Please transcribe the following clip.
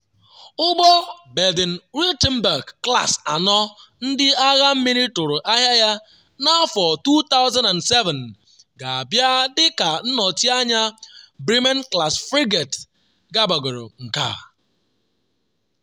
Ụgbọ Baden-Wuerttemberg-class anọ Ndị Agha Mmiri tụrụ ahịa ya na 2007 ga-abịa dịka nnọchi anya Bremen-class frigate kabagoro nka.